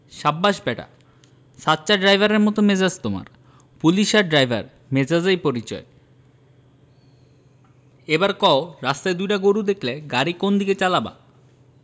সাব্বাস ব্যাটা সাচ্চা ড্রাইভারের মত মেজাজ তোমার পুলিশ আর ড্রাইভার মেজাজেই পরিচয় এইবার কও রাস্তায় দুইটা গরু দেখলে গাড়ি কোনদিকে চালাবা